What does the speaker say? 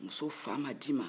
muso fa ma d'i ma